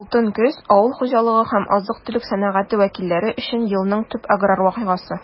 «алтын көз» - авыл хуҗалыгы һәм азык-төлек сәнәгате вәкилләре өчен елның төп аграр вакыйгасы.